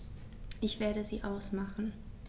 Ich werde sie ausmachen.